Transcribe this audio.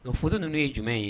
Donc photo ninnu ye jumɛn ye